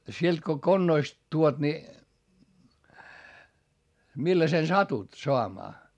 sieltä kun konnoista tuot niin millaisen satut saamaan